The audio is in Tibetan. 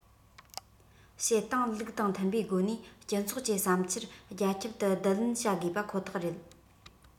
བྱེད སྟངས ལུགས དང མཐུན པའི སྒོ ནས སྤྱི ཚོགས ཀྱི བསམ འཆར རྒྱ ཁྱབ ཏུ བསྡུ ལེན བྱ དགོས པ ཁོ ཐག རེད